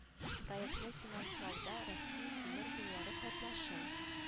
Проектны финанслауда россия тимер юллары катнаша